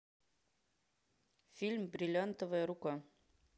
фильм бриллиантовая рука